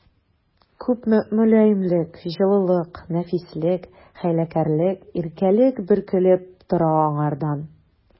Күпме мөлаемлык, җылылык, нәфислек, хәйләкәрлек, иркәлек бөркелеп тора аңардан!